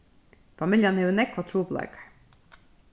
familjan hevur nógvar trupulleikar